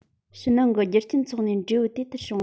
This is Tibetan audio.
ཕྱི ནང གི རྒྱུ རྐྱེན འཚོགས ནས འབྲས བུ དེ ལྟར བྱུང བ